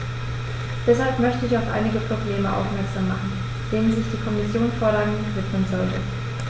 Deshalb möchte ich auf einige Probleme aufmerksam machen, denen sich die Kommission vorrangig widmen sollte.